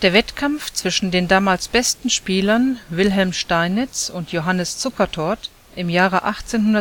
Wettkampf zwischen den damals besten Spielern Wilhelm Steinitz und Johannes Zukertort im Jahr 1886